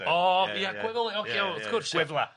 de. O ia ia ia.